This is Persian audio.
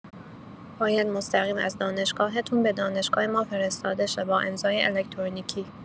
باید مستقیم از دانشگاه‌تون به دانشگاه ما فرستاده شه با امضای الکترونیکی